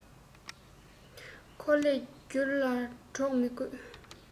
འཁོར ལོས བསྒྱུར ལ གྲོགས མི དགོས